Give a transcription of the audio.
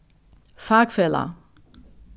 fakfelag